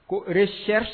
Ko c